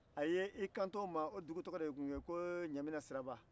a y'i kanto o ma o dugu tɔgɔ de tun ye ko ɲamina siraba